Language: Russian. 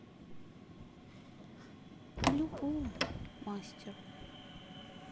к любому мастеру